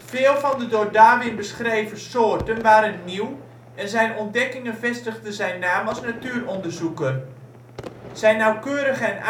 Veel van de door Darwin beschreven soorten waren nieuw en zijn ontdekkingen vestigden zijn naam als natuuronderzoeker. Zijn nauwkeurige en uitgebreide